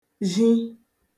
zhi